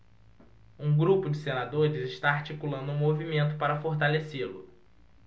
um grupo de senadores está articulando um movimento para fortalecê-lo